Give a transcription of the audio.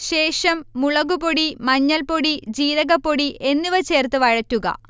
ശേഷം മുളക്പൊടി, മഞ്ഞൾപ്പൊടി, ജീരകപ്പൊടി എന്നിവ ചേർത്ത് വഴറ്റുക